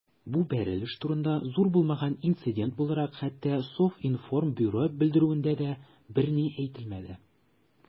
Бу бәрелеш турында, зур булмаган инцидент буларак, хәтта Совинформбюро белдерүендә дә берни әйтелмәде.